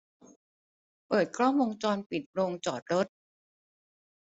เปิดกล้องวงจรปิดโรงจอดรถ